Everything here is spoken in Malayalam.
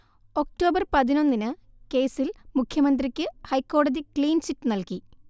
ഒക്ടോബർ പതിനൊന്നിന് കേസിൽ മുഖ്യമന്ത്രിക്ക് ഹൈക്കോടതി ക്ലീൻചിറ്റ് നൽകി